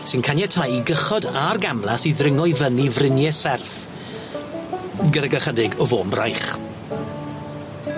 sy'n caniatáu i gychod a'r gamlas i ddringo i fyny frynie serth gydag ychydig o fôn braich.